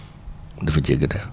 dafa jéggi dayoo